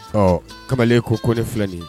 Ɔ kamalen ko ko ne filɛlen